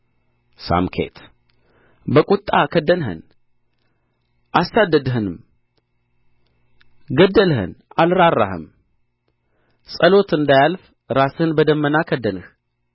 ሳምኬት በቍጣ ከደንኸን አሳደድኸንም ገደልኸን አልራራህም ጸሎት እንዳያልፍ ራስህን በደመና ከደንህ